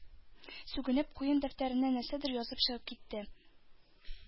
Сүгенеп, куен дәфтәренә нәрсәдер язып чыгып китте.